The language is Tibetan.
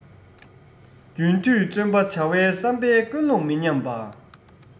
རྒྱུན མཐུད བརྩོན པ བྱ བའི བསམ པའི ཀུན སློང མི ཉམས པ